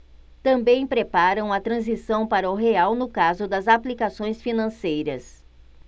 também preparam a transição para o real no caso das aplicações financeiras